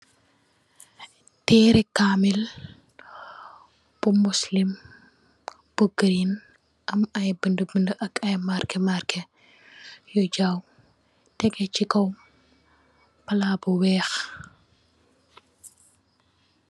awy tereh kaamil bu muslim bu girin am ay binda bjnda ak ay markeh yu jaw tegeh ci kaw palat bu weex